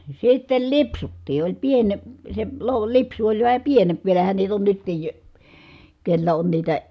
sitten lipsuttiin oli - se - lipsu oli vähän pienempi vielähän niitä on nytkin - kenellä on niitä